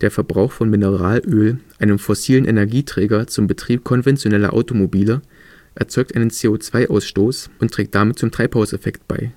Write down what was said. Verbrauch von Mineralöl, einem fossilen Energieträger zum Betrieb konventioneller Automobile erzeugt einen CO2-Ausstoß und trägt damit zum Treibhauseffekt bei